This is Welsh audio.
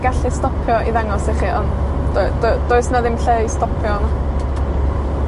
gallu stopio i ddangos i chi, on' doe- doe- does 'na ddim lle i stopio.